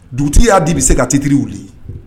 Dugutigi y'a di bɛ se ka tetiri wuli